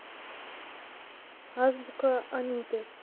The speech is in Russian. азбука анюты